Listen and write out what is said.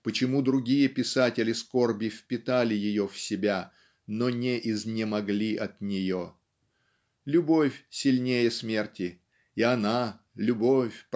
почему другие писатели скорби впитали ее в себя но не изнемогли от нее. Любовь сильнее смерти. И она любовь